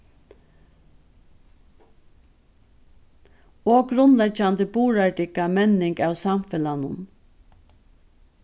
og grundleggjandi burðardygga menning av samfelagnum